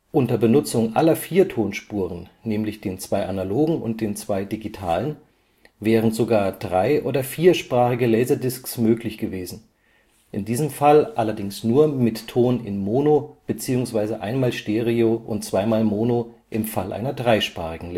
Unter Benutzung aller vier Tonspuren (zwei analoge, zwei digitale) wären sogar drei - oder viersprachige LaserDiscs möglich gewesen, in diesem Fall allerdings nur mit Ton in mono, bzw. einmal stereo und zweimal mono im Fall einer dreisprachigen